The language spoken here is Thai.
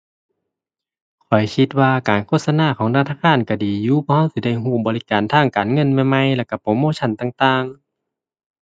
ข้อยคิดว่าการโฆษณาของธนาคารก็ดีอยู่ เพราะก็สิได้ก็บริการทางการเงินใหม่ใหม่ แล้วก็โปรโมชันต่างต่าง